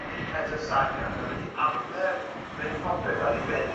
Pe- Peter Sagan ma' fe 'di arfer gwneud popeth ar 'i ben 'i...